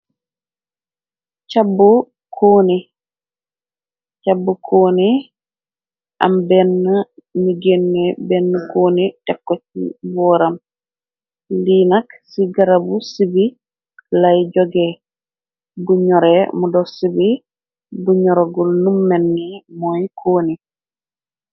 càbbu koni am benn ni genne benn kooni tekko ci booram liinak ci garabu sibi lay joge bu ñore mudof sibi bu ñorogul num menne mooy kooni